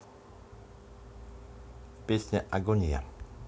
песня агония